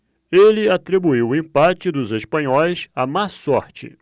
ele atribuiu o empate dos espanhóis à má sorte